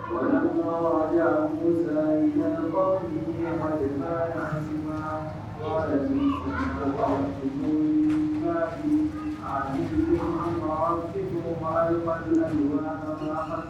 Miniyan yamukuma watan wa wakuma wa wa kun wakari